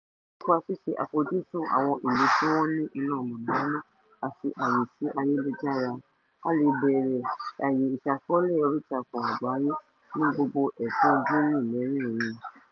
Nípa ṣíṣe àfojúsùn àwọn ìlú tí wọ́n ní iná mọ̀nàmọ́ná àti àyè sí ayélujára, a lè bẹ̀rẹ̀ àyè ìṣàkọọ́lẹ̀ oríìtakùn àgbáyé ní gbogbo ẹkùn Guinea mẹ́rẹ̀ẹ̀rin.